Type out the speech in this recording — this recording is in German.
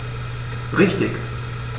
Richtig